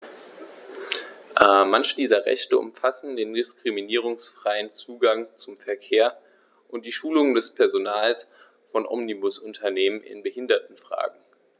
Manche dieser Rechte umfassen den diskriminierungsfreien Zugang zum Verkehr und die Schulung des Personals von Omnibusunternehmen in Behindertenfragen.